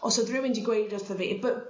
os o'dd rywun 'di gweud wrtho fi by-